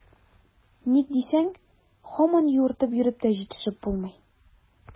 Ник дисәң, һаман юыртып йөреп тә җитешеп булмый.